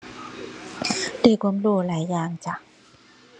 ได้ความรู้หลายอย่างจ้ะ